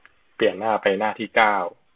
เปลี่ยนหน้าไปหน้าที่เก้า